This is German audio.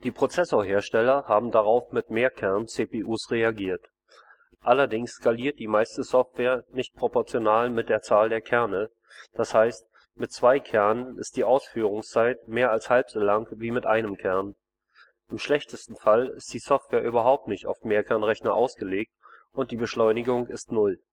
Prozessorhersteller haben darauf mit Mehrkern-CPUs reagiert. Allerdings skaliert die meiste Software nicht proportional mit der Zahl der Kerne, d. h., mit zwei Kernen ist die Ausführungszeit mehr als halb so lang wie mit einem Kern. Im schlechtesten Fall ist die Software überhaupt nicht auf Mehrkern-Rechner ausgelegt und die Beschleunigung ist Null